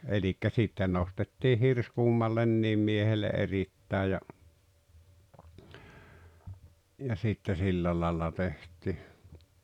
eli sitten nostettiin hirsi kummallekin miehelle erittäin ja ja sitten sillä lailla tehtiin